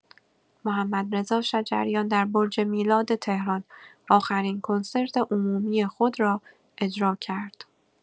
محمدرضا شجریان در برج میلاد تهران آخرین کنسرت عمومی خود را اجرا کرد.